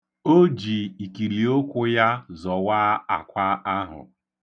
O ji ikiliụkwụ ya zọwaa akwa ahụ.